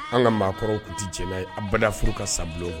An ka maakɔrɔw tun tɛ jɛ n'a ye abada furu ka sa bulon. kɔnɔ.